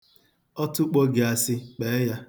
Ọ tụkpo gị asị, kpee ya.